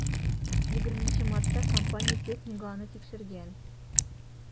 20 мартта компания технигы аны тикшергән.